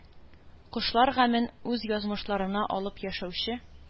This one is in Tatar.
Кошлар гамен үз язмышларына алып яшәүче